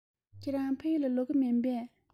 ཁྱེད རང ཕ ཡུལ ལ ལོག གི མིན པས